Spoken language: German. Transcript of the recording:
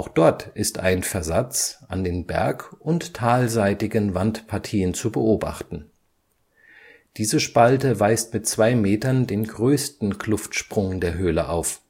dort ist ein Versatz an den berg - und talseitigen Wandpartien zu beobachten. Diese Spalte weist mit zwei Metern den größten Kluftsprung der Höhle auf